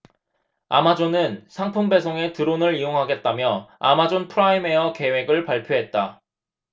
아마존은 상품 배송에 드론을 이용하겠다며 아마존 프라임에어 계획을 발표했다